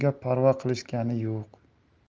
unga parvo qilishgani yo'q